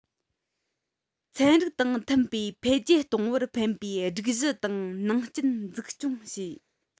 ཚན རིག དང མཐུན པའི འཕེལ རྒྱས གཏོང བར ཕན པའི སྒྲིག གཞི དང ནང རྐྱེན འཛུགས སྐྱོང བྱས